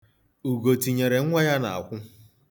Ugo tinyere nwa ya n'akwụ.